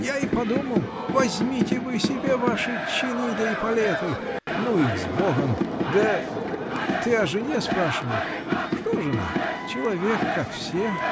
Я и подумал: возьмите вы себе ваши чины да эполеты -- ну их с богом! Да. ты о жене спрашивал? Что--- жена? Человек, как все.